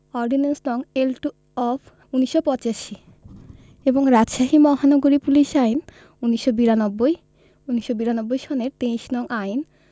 Ordinance. নং. L two of ১৯৮৫ এবং রাজশাহী মহানগরী পুলিশ আইন ১৯৯২ ১৯৯২ সনের ২৩ নং আইন